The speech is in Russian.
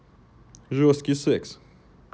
жесткий секс